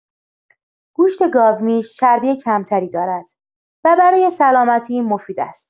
گوشت گاومیش چربی کم‌تری دارد و برای سلامتی مفید است.